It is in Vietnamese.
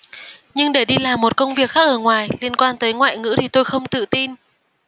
nhưng để đi làm một công việc khác ở ngoài liên quan tới ngoại ngữ thì tôi không tự tin